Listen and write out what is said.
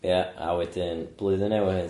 Ie a wedyn blwyddyn newydd.